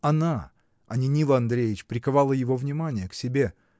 Она, а не Нил Андреич, приковала его внимание к себе.